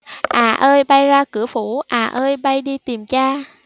à ơi bay ra cửa phủ à ơi bay đi tìm cha